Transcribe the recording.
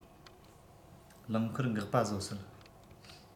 རླངས འཁོར འགག པ བཟོ སྲིད